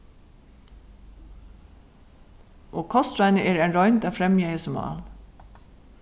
og kostráðini eru ein roynd at fremja hesi mál